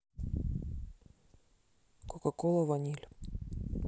кока кола ваниль